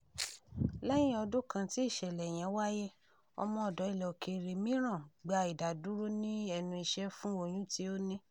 Lẹ́yìn ọdún kan tí ìṣẹ̀lẹ̀ yẹn wáyé, ọmọ-ọ̀dọ̀ ilẹ̀-òkèèrè mìíràn gba ìdádúró ní ẹnu iṣẹ́ fún oyún tí ó ní.